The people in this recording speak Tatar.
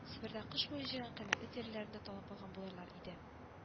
Себердә кыш буе җыйган кыйммәтле тиреләрен дә талап алган булырлар иде